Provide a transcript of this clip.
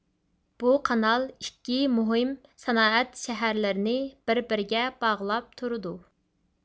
بۇ قانال ئىككى مۇھىم سانائەت شەھەرلىرىنى بىر بىرىگە باغلاپ تۇرىدۇ